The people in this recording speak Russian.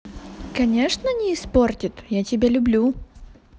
конечно не испортит я тебя люблю